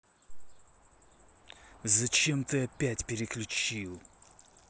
зачем ты опять переключил